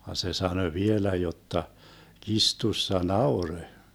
vaan se sanoi vielä jotta kirstussa nauroi